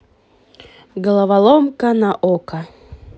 головоломка наока